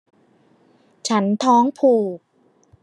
ฉันท้องผูก